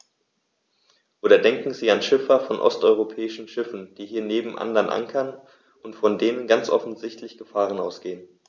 Oder denken Sie an Schiffer von osteuropäischen Schiffen, die hier neben anderen ankern und von denen ganz offensichtlich Gefahren ausgehen.